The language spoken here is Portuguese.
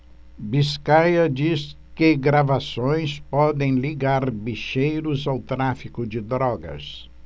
biscaia diz que gravações podem ligar bicheiros ao tráfico de drogas